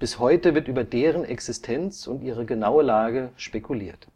heute wird über deren Existenz und ihre genaue Lage spekuliert